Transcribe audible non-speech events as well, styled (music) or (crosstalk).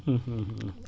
(hesitation) (hesitation)